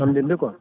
famɗinde quoi